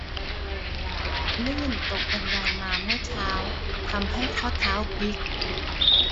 ลื่นตกบันไดมาเมื่อเช้าทำให้ข้อเท้าพลิก